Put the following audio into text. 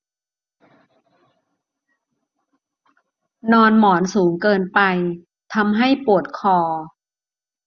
นอนหมอนสูงเกินไปทำให้ปวดคอ